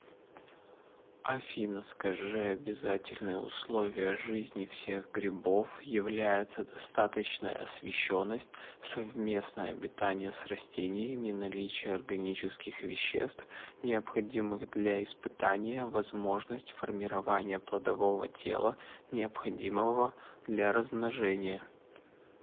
афина скажи обязательные условия жизни всех грибов является достаточная освещенность совместное обитание с растениями наличие органических веществ необходимых для испытания возможность формирования плодового тела необходимого для размножения